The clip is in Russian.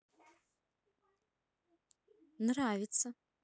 нравится